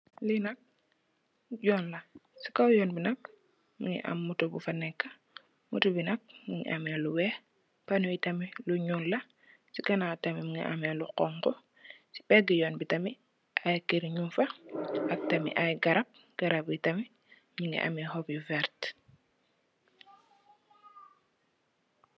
Lee nak yoon la se kaw yoon be nak munge am motou bufa neka motou be nak munge ameh lu weex pano ye tamin lu nuul la se gawam tamin munge ameh lu xonxo se pege yoon be tamin aye kerr nugfa ak tamin aye garab garab ye tamin nuge ameh xopp yu verte.